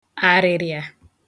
àrị̀rị̀a